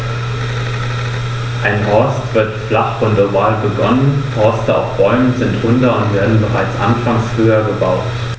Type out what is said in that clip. Ein Horst wird flach und oval begonnen, Horste auf Bäumen sind runder und werden bereits anfangs höher gebaut.